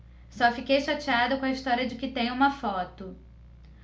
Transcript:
só fiquei chateada com a história de que tem uma foto